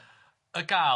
Y Gal.